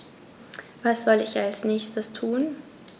Was soll ich als Nächstes tun?